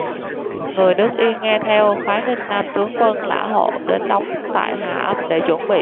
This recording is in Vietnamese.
người nước yên nghe theo phái ninh nam tướng quân lã hộ đến đóng tại hà âm để chuẩn bị